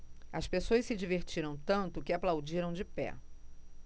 as pessoas se divertiram tanto que aplaudiram de pé